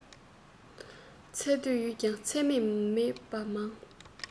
ཚེ སྟོད ཡོད ཀྱང ཚེ སྨད མེད པ མང